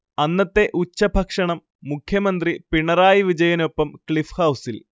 അന്നത്തെ ഉച്ചഭക്ഷണം മുഖ്യമന്ത്രി പിണറായി വിജയനൊപ്പം ക്ലിഫ്ഹൗസിൽ